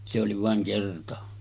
se oli vain kerta